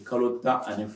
Kalo ta ani